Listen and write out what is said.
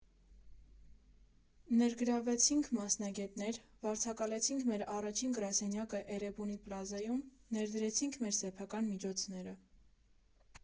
Ներգրավեցինք մասնագետներ, վարձակալեցինք մեր առաջին գրասենյակը Էրեբունի֊պլազայում, ներդրեցինք մեր սեփական միջոցները։